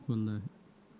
wallahi